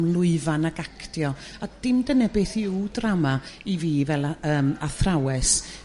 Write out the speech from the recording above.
lwyfan ag actio a dim dyne beth yw drama i fi fel a- yrm athrawes